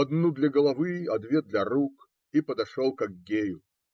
одну для головы, а две для рук, и подошел к Аггею.